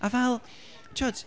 A fel timod...